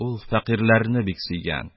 Ул фәкыйрьләрне бик сөйгән...